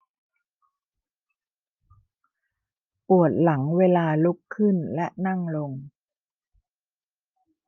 ปวดหลังเวลาลุกขึ้นและนั่งลง